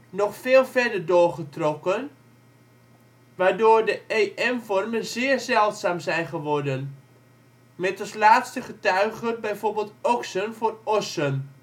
nog veel verder doorgetrokken, waardoor de – en-vormen zeer zeldzaam zijn geworden (met als laatste getuige bijvoorbeeld oxen, voor ossen